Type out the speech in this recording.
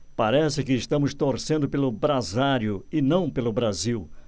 parece que estamos torcendo pelo brasário e não pelo brasil